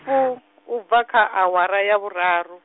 -fu ubva kha awara ya vhuraru.